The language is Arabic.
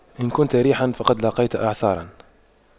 إن كنت ريحا فقد لاقيت إعصارا